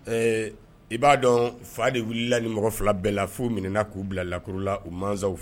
Ee i b'a dɔn fa de wilila ni mɔgɔ 2 bɛɛ la f'u minɛ k'u bila lakurula o mansaw fɛ